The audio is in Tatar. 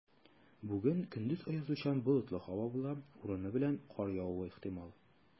Бүген көндез аязучан болытлы һава була, урыны белән кар явуы ихтимал.